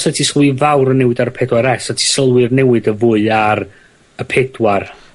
'sa ti sylwi fawr o newid ar y pedwar es 'sa ti sylwi'r newid yn fwy ar y pedwar.